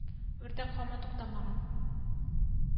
Үрдәк һаман туктамаган